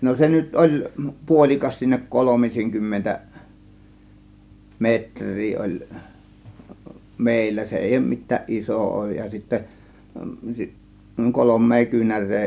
no se nyt oli puolikas siinä kolmisen kymmentä metriä oli meillä se ei ole mitään iso ole ja sitten kolme kyynärää